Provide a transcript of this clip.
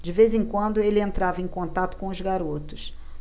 de vez em quando ele entrava em contato com os garotos